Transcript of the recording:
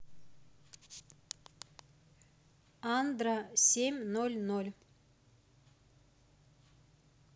андро семь ноль ноль